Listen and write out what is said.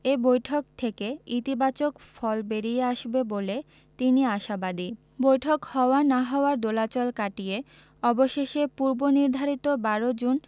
এ বৈঠক থেকে ইতিবাচক ফল বেরিয়ে আসবে বলে তিনি আশাবাদী বৈঠক হওয়া না হওয়ার দোলাচল কাটিয়ে অবশেষে পূর্বনির্ধারিত ১২ জুন